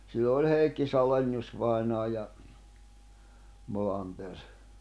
silloin oli Heikki Salenius vainaja ja Molander